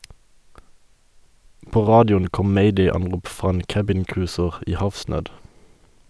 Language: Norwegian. På radioen kom mayday-anrop fra en cabincruiser i havsnød.